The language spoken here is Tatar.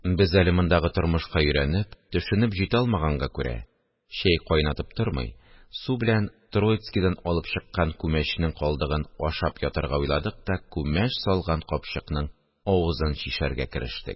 Без әле мондагы тормышка өйрәнеп, төшенеп җитә алмаганга күрә, чәй кайнатып тормый, су белән Троицкидан алып чыккан күмәчнең калдыгын ашап ятарга уйладык та күмәч салган капчыкның авызын чишәргә керештек